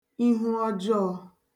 ihu ọjọọ̄